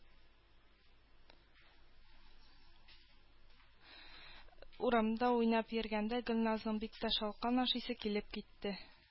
Урамда уйнап йөргәндә Гөльназның бик тә шалкан ашыйсы килеп китте